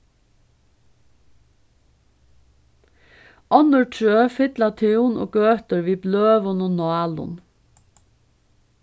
onnur trø fylla tún og gøtur við bløðum og nálum